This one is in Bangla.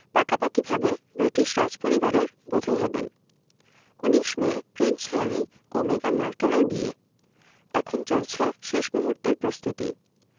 পাকাপাকিভাবে ব্রিটিশ রাজপরিবারের বধূ হবেন ১৯ মে প্রিন্স হ্যারি ও মেগান মার্কেলের বিয়ে এখন চলছে শেষ মুহূর্তের প্রস্তুতি